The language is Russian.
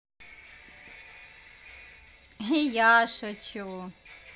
и я шучу